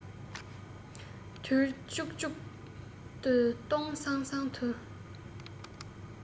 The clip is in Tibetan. འདར ལྕུག ལྕུག ཏུ སྟོང སང སང དུ